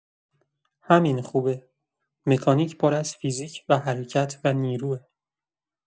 همین خوبه، مکانیک پر از فیزیک و حرکت و نیروئه.